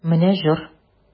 Менә җор!